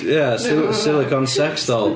Ia, sil- silicone sex doll.